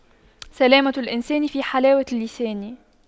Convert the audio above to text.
سلامة الإنسان في حلاوة اللسان